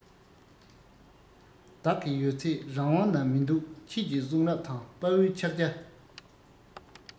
བདག གི ཡོད ཚད རང དབང ན མི འདུག ཁྱེད ཀྱི གསུང རབ དང དཔའ བོའི ཕྱག རྒྱ